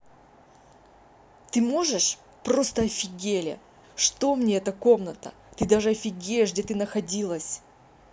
ты можешь просто офигели что мне это как комната ты даже офигеешь где ты находилась